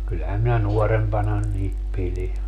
kyllähän minä nuorempana niitä pidin